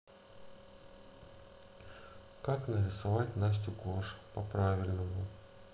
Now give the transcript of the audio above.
как нарисовать настю кош по правильному